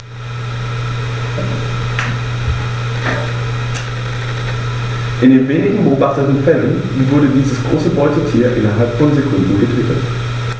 In den wenigen beobachteten Fällen wurden diese großen Beutetiere innerhalb von Sekunden getötet.